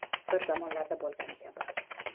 bir zamonlarda bo'lgani kabi